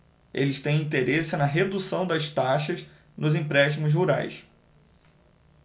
eles têm interesse na redução das taxas nos empréstimos rurais